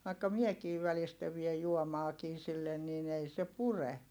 vaikka minäkin välistä vien juomaakin sille niin ei se pure